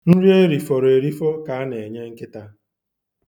Nri e rifọrọ erifo ka a na-enye nkịta